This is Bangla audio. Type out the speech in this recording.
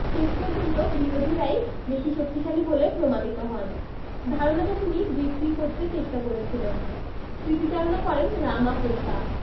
শেষ পর্যন্ত বিরোধীরাই বেশি শক্তিশালী বলে প্রমাণিত হন ধারণাটা তিনি বিক্রি করতে চেষ্টা করেছিলেন স্মৃতিচারণা করেন রামাফ্রোসা